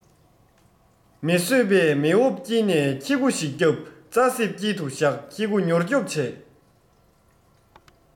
མེ གསོད པས མེ འོབ དཀྱིལ ནས ཁྱི གུ ཞིག སྐྱབས རྩ གསེབ དཀྱིལ དུ བཞག ཁྱི གུ མྱུར སྐྱོབ བྱས